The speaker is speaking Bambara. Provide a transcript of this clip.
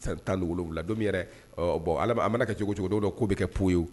San 17 domin yɛrɛ, ɔɔ bon a laban a mana kɛ cogo cogo don dɔ ko bɛ kɛ po ye woo